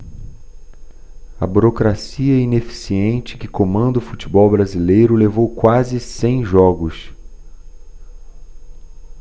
a burocracia ineficiente que comanda o futebol brasileiro levou quase cem jogos